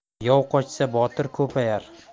yov qochsa botir ko'payar